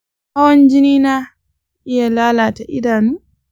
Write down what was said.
hawan jini na iya lalata idanu?